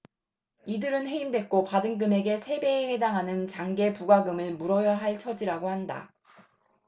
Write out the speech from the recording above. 이들은 해임됐고 받은 금액의 세 배에 해당하는 징계부과금을 물어야 할 처지라고 한다